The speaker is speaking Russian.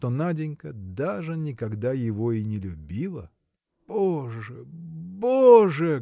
что Наденька даже никогда его и не любила. Боже, боже!